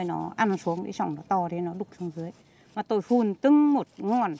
nó ăn xuống thế xong nó to lên nó đục xuống dưới mà tôi phun từng một con